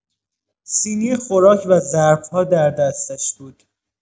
سینی خوراک و ظرف‌ها در دستش بود.